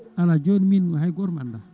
ala joni min hay goto mi anda